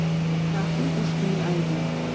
Նախկին Պուշկինի այգի։